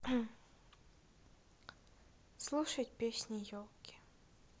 слушать песни елки